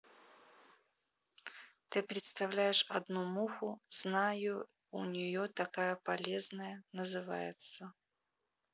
ты представляешь одну муху знаю у нее такая полезная называется